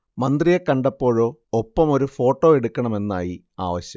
മന്ത്രിയെ കണ്ടപ്പോഴോ ഒപ്പമൊരു ഫോട്ടോ എടുക്കണമെന്നായി ആവശ്യം